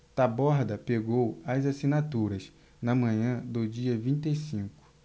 taborda pegou as assinaturas na manhã do dia vinte e cinco